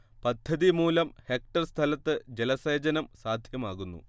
പദ്ധതിമൂലം hectare സ്ഥലത്ത് ജലസേചനം സാധ്യമാകുന്നു